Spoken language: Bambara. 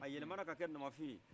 a yɛlɛmana k' a kɛ namafin ye